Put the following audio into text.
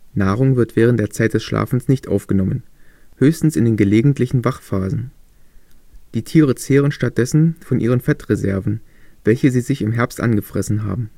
Nahrung wird während der Zeit des Schlafes nicht aufgenommen, höchstens in den gelegentlichen Wachphasen. Die Tiere zehren stattdessen von ihren Fettreserven, welche sie sich im Herbst angefressen haben